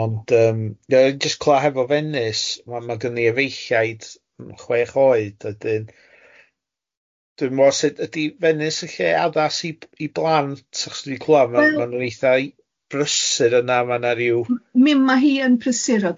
Ond yym awn ni jyst clywed hefo Venice, ma' ma' gen i efeilliaid yym chwech oed a dyn dwi'n meddwl sut ydy Venice yn lle addas i b- i blant achos dwi'n clywed wel, mae'n nhw'n eitha i- brysur yna ma' na ryw... Mi- mi- ma' hi yn prysuro.